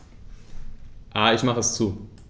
Ich mache es zu.